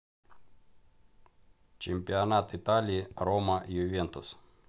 чемпионат италии рома ювентус